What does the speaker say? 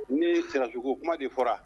Ni sirasiko kuma de fɔra